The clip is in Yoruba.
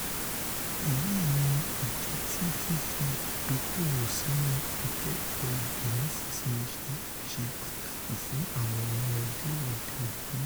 Èyí ní ìdí tí fífi ìdókòòwò sínú ìkẹ́kọ̀ọ́ èdè nísinsìnyí ṣeṣe pàtàkì fún àwọn ọmọdé òde-òní.